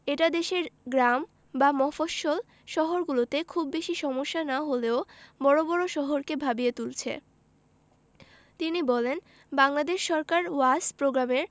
এটা দেশের গ্রাম বা মফস্বল শহরগুলোতে খুব বেশি সমস্যা না হলেও বড় বড় শহরকে ভাবিয়ে তুলেছে তিনি বলেন বাংলাদেশ সরকার ওয়াশ প্রোগ্রামের